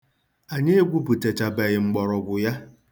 Anyị egwupụtachabe mgbọrọgwụ ya.